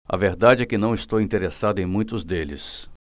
a verdade é que não estou interessado em muitos deles